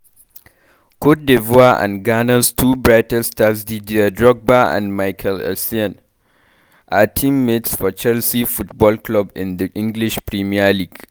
Côte d'Ivoire and Ghana's two brightest stars, Dider Drogba and Michael Essien (featured in the aforementioned photo spread) are teamates for Chelsea Football Club in the English Premier League.